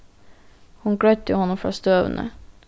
hon greiddi honum frá støðuni